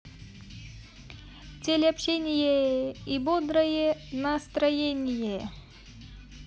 теле общение и бодрое настроение